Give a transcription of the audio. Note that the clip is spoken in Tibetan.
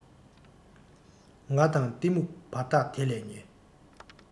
ང དང གཏི མུག བར ཐག དེ ལས ཉེ